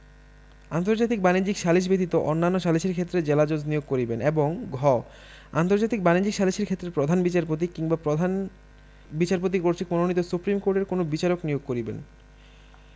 আন্তর্জাতিক বাণিজ্যিক সালিস ব্যতীত অন্যান্য সালিসের ক্ষেত্রে জেলাজজ নিয়োগ করিবেন এবং ঘ আন্তর্জাতিক বাণিজ্যিক সালিসের ক্ষেত্রে প্রধান বিচারপতি কিংবা প্রধান বিচারপতি কর্তৃক মনোনীত সুপ্রীম কোর্টের কোন বিচারক নিয়োগ করিবেন